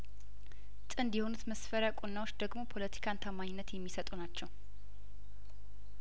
ጥንድ የሆኑት መስፈሪያ ቁናዎቹ ደግሞ ፖለቲካን ታማኝነት የሚሰጡ ናቸው